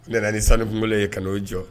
N bena ni sanu kuŋolo ye kan'o jɔ